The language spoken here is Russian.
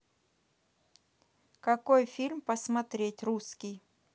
какой фильм посмотреть русский